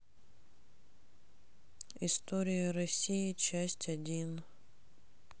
история россии часть один